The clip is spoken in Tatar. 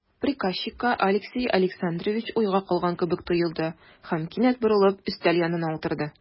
Приказчикка Алексей Александрович уйга калган кебек тоелды һәм, кинәт борылып, өстәл янына утырды.